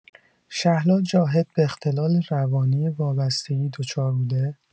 شهلا جاهد به اختلال روانی وابستگی دچار بوده؟